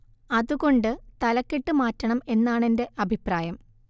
അതുകൊണ്ട് തലക്കെട്ട് മാറ്റണം എന്നാണെന്റെ അഭിപ്രായം